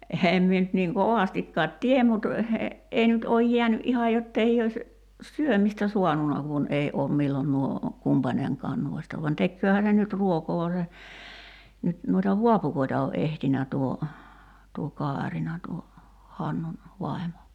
en minä nyt niin kovastikaan tiedä mutta ei nyt ole jäänyt ihan jotta ei olisi syömistä saanut kun ei ole milloin nuo kumpainenkaan noista vaan tekeehän ne nyt ruokaa vaan se nyt noita vaapukoita on etsinyt tuo tuo Kaarina tuo Hannun vaimo